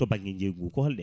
to banggue jeeygungu ko holɓen